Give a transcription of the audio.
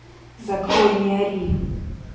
закрой не ори